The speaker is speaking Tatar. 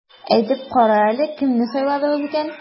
Әйтеп кара әле, кемне сайладыгыз икән?